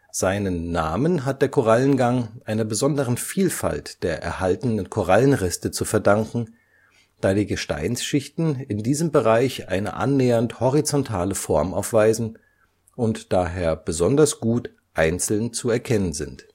Seinen Namen hat der Korallengang einer besonderen Vielfalt der erhaltenen Korallenreste zu verdanken, da die Gesteinsschichten in diesem Bereich eine annähernd horizontale Form aufweisen und daher besonders gut einzeln zu erkennen sind